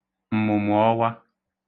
m̀mụ̀mụ̀ọwa